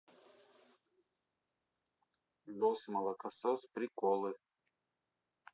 босс молокосос приколы